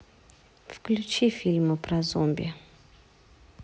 включи фильмы про зомби